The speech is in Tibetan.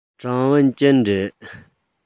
ཀྲང ཝུན ཅུན རེད